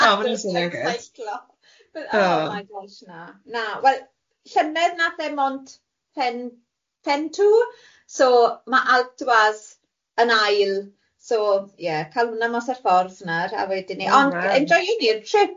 Na, seiclo, oh my gosh na, wel llynedd nath e mond pen- pen- two, so ma' Alpe d'Huez yn ail, so ie, cal hwnna mas ar ffordd nawr a wedyn... Ond enji ni'r trip,